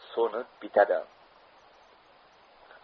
so'nib bitadi